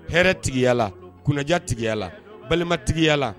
Hɛrɛ tigiyala kunnaja tigiyala balima tigiyala